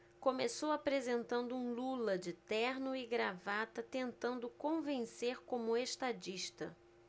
começou apresentando um lula de terno e gravata tentando convencer como estadista